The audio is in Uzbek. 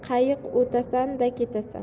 qayiq o'tasan da ketasan